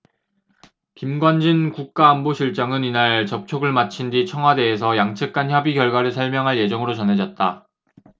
김관진 국가안보실장은 이날 접촉을 마친 뒤 청와대에서 양측간 협의 결과를 설명할 예정으로 전해졌다